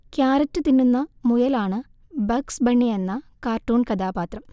carrot തിന്നുന്ന മുയലാണ് Bugs ബണ്ണിയെന്ന കാർട്ടൂൺ കഥാപാത്രാം